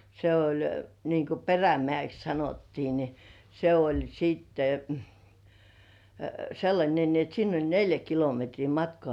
se oli niin kuin Perämäeksi sanottiin niin se oli sitten sellainen niin että sinne oli neljä kilometriä matkaa